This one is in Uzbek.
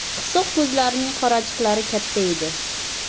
qisiq ko'zlarining qorachiglari katta edi